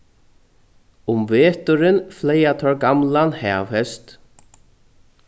um veturin fleyga teir gamlan havhest